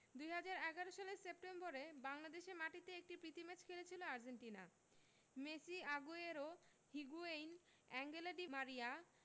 ২০১১ সালের সেপ্টেম্বরে বাংলাদেশের মাটিতে একটি প্রীতি ম্যাচ খেলেছিল Argentina Messi Aguero Higuain Angel di মারিয়া